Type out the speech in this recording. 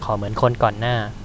ขอเหมือนคนก่อนหน้า